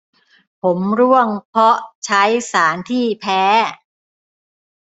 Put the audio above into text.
ผมร่วงเพราะใช้สารที่แพ้